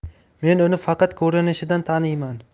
men uni faqat ko'rinishidan taniyman